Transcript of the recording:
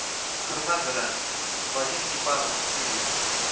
Хөрмәт белән, Вадим Степанов, юрист